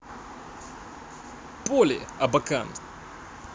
poly абакан